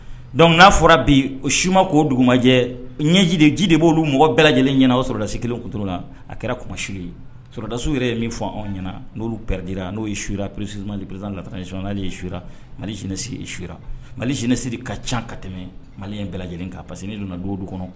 Dɔnkuc n'a fɔra bi o suma'o duguumanjɛ ɲɛji de ji de b'oolu mɔgɔ bɛɛ lajɛlen ɲɛna o sɔrɔdasi kelentu la a kɛra kumasi ye sudasiw yɛrɛ ye min fɔ anw ɲɛna n'olu pɛdra n'o sura psi mali p lata nisi su mali su malissiri ka ca ka tɛmɛ mali in bɛɛ lajɛlen ka parce que n' donna dugu dugu kɔnɔ